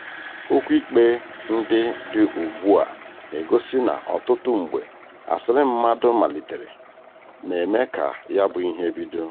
Okwu ikpe ndị dị ugbu a na-egosi na ọtụtụ mgbe asịrị mmadụ malitere na-eme ka ya bụ ihe bido.